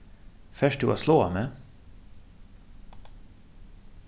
fert tú at sláa meg